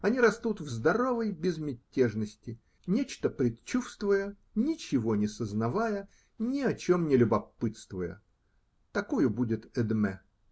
они растут в здоровой безмятежности, нечто предчувствуя, ничего не сознавая, ни о чем не любопытствуя. Такою будет Эдмэ.